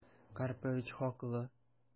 Карпович хаклы...